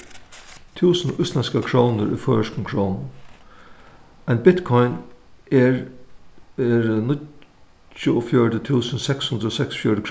túsund íslendskar krónur í føroyskum krónum ein bitcoin er er níggjuogfjøruti túsund seks hundrað og seksogfjøruti